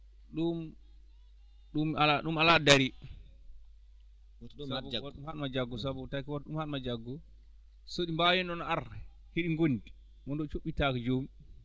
ɗum ɗum alaa ɗum alaa ɗo darii sabu woto haɗ ma jaggu sabu taki won hoto ɗum haɗ ma jaggu so ɗi mbawiino ar' heɗin gondi wonɗo cuɓɓitaako jomum